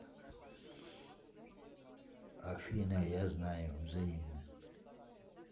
афина я знаю взаимно